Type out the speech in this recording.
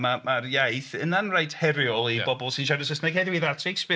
Ma' ma'r iaith yna'n reit heriol i... yndy. ... bobl sy'n siarad Saesneg heddiw i ddallt Shakespeare.